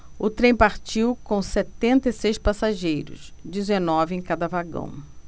o trem partiu com setenta e seis passageiros dezenove em cada vagão